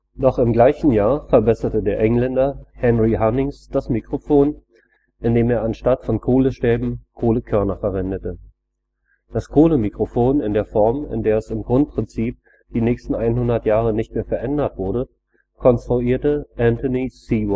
Noch im gleichen Jahr verbesserte der Engländer Henry Hunnings das Mikrofon, indem er anstatt von Kohlestäben Kohlekörner verwendete. Das Kohlemikrofon in der Form, in der es im Grundprinzip die nächsten 100 Jahre nicht mehr verändert wurde, konstruierte Anthony C.